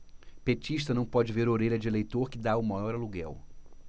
petista não pode ver orelha de eleitor que tá o maior aluguel